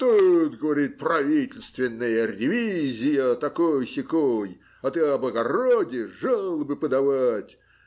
"Тут, говорит, правительственная ревизия, такой-сякой, а ты об огороде жалобы подавать!